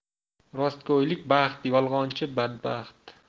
rostgo'ylik baxt yolg'onchi badbaxt